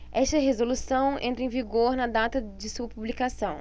esta resolução entra em vigor na data de sua publicação